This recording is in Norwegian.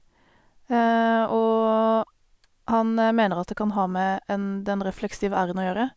Og han mener at det det kan ha med en den refleksive r-en å gjøre.